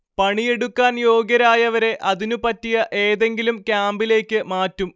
പണിയെടുക്കാൻ യോഗ്യരായവരെ അതിനുപറ്റിയ ഏതെങ്കിലും ക്യാമ്പിലേക്ക് മാറ്റും